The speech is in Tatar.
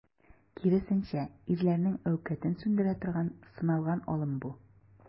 Киресенчә, ирләрнең әүкатен сүндерә торган, сыналган алым бу.